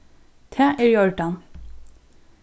tað er í ordan